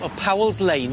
O Powell's Lane.